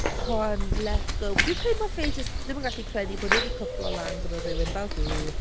Hun let go. Dwi'n credu mae fe jyst ddim yn gallu credu bod e 'di cwplo lan gyda rhywun fel hi.